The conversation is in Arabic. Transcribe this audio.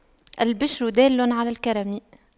الْبِشْرَ دال على الكرم